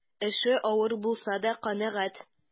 Эше авыр булса да канәгать.